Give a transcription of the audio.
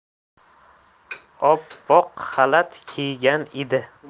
oppoq xalat kiygan edi